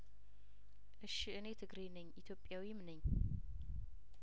እሺ እኔ ትግሬ ነኝ ኢትዮጵያዊም ነኝ